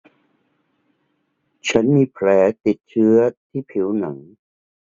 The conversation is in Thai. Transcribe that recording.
ฉันมีแผลติดเชื้อที่ผิวหนัง